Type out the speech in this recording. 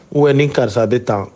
U bɛ ni karisa de tan